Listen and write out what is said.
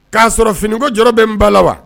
K'a sɔrɔ fini ko jɔ bɛ n ba la wa